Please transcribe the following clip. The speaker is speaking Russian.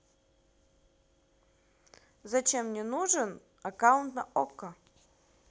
зачем мне нужен аккаунт okko